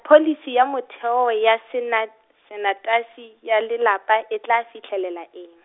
pholisi ya motheo ya sena-, sanetasi, ya lelapa, e tla fitlhelela eng.